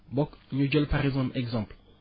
boog ñu jël par exemple ay exemple